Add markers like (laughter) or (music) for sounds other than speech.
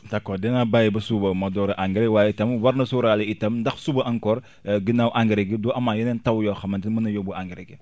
d' accord dinaa bàyyi ba suba ma door a engrais waye tamit war na sóoraale i tam ndax suba encore (breath) ginnaaw engrais gi du amaat yeneen taw yoo xamante ni mën na yóbbu engrais gi